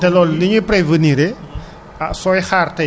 ah doo yëg day jékki-jékki rekk daal di aggsi